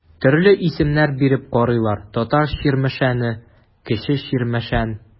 Төрле исемнәр биреп карыйлар: Татар Чирмешәне, Кече Чирмешән.